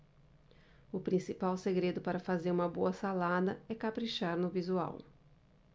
o principal segredo para fazer uma boa salada é caprichar no visual